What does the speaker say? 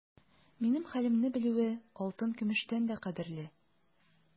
Минем хәлемне белүе алтын-көмештән дә кадерле.